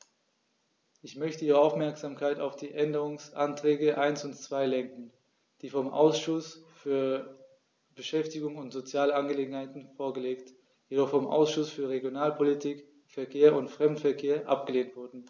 Ich möchte Ihre Aufmerksamkeit auf die Änderungsanträge 1 und 2 lenken, die vom Ausschuss für Beschäftigung und soziale Angelegenheiten vorgelegt, jedoch vom Ausschuss für Regionalpolitik, Verkehr und Fremdenverkehr abgelehnt wurden.